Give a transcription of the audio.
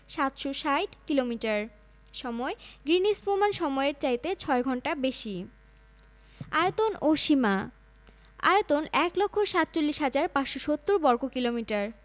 নদীমালাঃ প্রধান নদীগুলোর শাখা ও উপনদীসহ মোট প্রায় ৭০০ নদী রয়েছে এই নদীগুলো আবার তিনটি বৃহৎ নদীপ্রণালীর অন্তর্ভুক্ত